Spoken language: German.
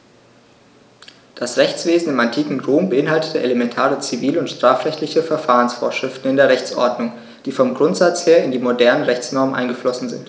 Das Rechtswesen im antiken Rom beinhaltete elementare zivil- und strafrechtliche Verfahrensvorschriften in der Rechtsordnung, die vom Grundsatz her in die modernen Rechtsnormen eingeflossen sind.